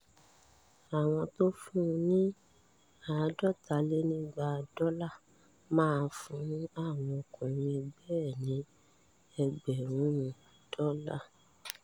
Àwọn t’ọ́n fún ni 250 dọlà, máa fún àwọn ọkùnrin ẹgbẹ́ ẹ̀ ní 1000 dọ́là.